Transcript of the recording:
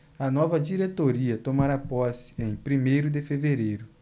a nova diretoria tomará posse em primeiro de fevereiro